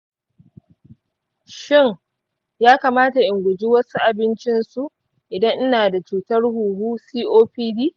shin ya kamata in guji wasu abincinsu idan ina da cutar huhu copd?